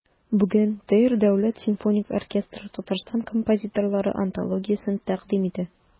Бүген ТР Дәүләт симфоник оркестры Татарстан композиторлары антологиясен тәкъдим итә.